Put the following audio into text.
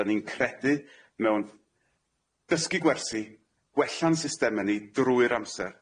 'Dan ni'n credu mewn dysgu gwersi gwella'n systema ni drwy'r amser.